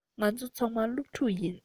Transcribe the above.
ང ཚོ ཚང མ སློབ ཕྲུག ཡིན